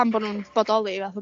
pam bo' n'w'n bodoli fath o beth.